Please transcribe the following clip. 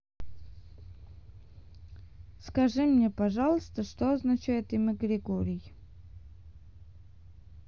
скажи мне пожалуйста что означает имя григорий